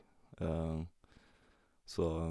Så...